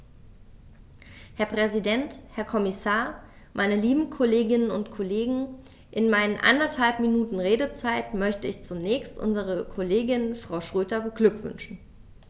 Herr Präsident, Herr Kommissar, meine lieben Kolleginnen und Kollegen, in meinen anderthalb Minuten Redezeit möchte ich zunächst unsere Kollegin Frau Schroedter beglückwünschen.